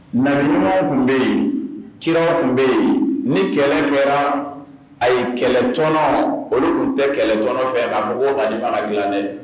Nabiɲumanw kun be ye kiraw kun be ye ni kɛlɛ kɛra ayi kɛlɛtɔnɔɔ olu kun tɛ kɛlɛtɔnɔ fɛ ka fɔ k'o kadi f'a ka dilan dɛ